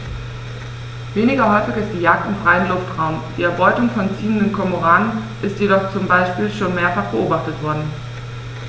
Weniger häufig ist die Jagd im freien Luftraum; die Erbeutung von ziehenden Kormoranen ist jedoch zum Beispiel schon mehrfach beobachtet worden.